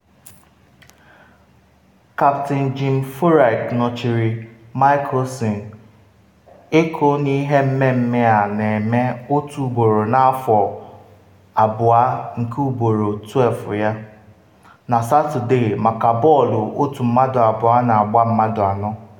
Kaptịn Jim Furyk nọchiri Mickelson, ịkụ n’ihe mmemme a na-eme otu ugboro n’afọ abụọ nke ugboro 12 ya, na Satọde maka bọọlụ otu mmadụ abụọ na agba mmadụ anọ.